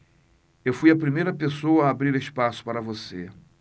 eu fui a primeira pessoa a abrir espaço para você